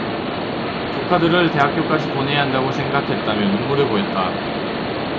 조카들을 대학교까지 보내야한다고 생각했다며 눈물을 보였다